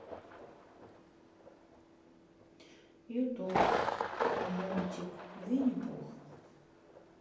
ютуб мультик винни пух